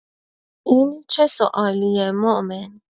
این چه سوالیه مومن؟